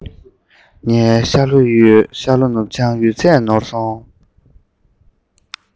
ངས ཤར ལྷོ ནུབ བྱང ཡོད ཚད ནོར སོང